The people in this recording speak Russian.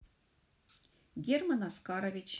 герман оскарович